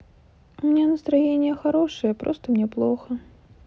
у меня настроение хорошее просто мне плохо